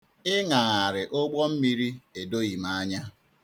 Ịṅagharị ụgbọmmiri edoghị m anya.